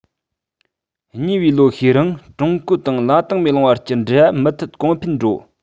ཉེ བའི ལོ ཤས རིང ཀྲུང གོ དང ལ ཏིང མེ གླིང བར གྱི འབྲེལ བ མུ མཐུད གོང འཕེལ འགྲོ